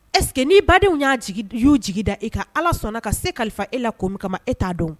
Ɛseke'i badenw y'a y'u jigin da i ka ala sɔnna ka se kalifa e la ko min kama e t'a dɔn